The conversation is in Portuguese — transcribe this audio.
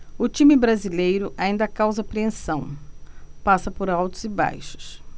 o time brasileiro ainda causa apreensão passa por altos e baixos